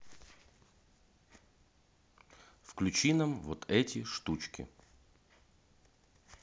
включите нам вот эти штучки